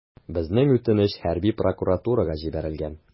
Безнең үтенеч хәрби прокуратурага җибәрелгән.